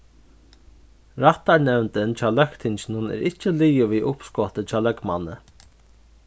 rættarnevndin hjá løgtinginum er ikki liðug við uppskotið hjá løgmanni